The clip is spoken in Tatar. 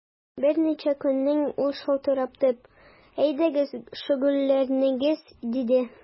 Берничә көннән ул шалтыратып: “Әйдәгез, шөгыльләнегез”, диде.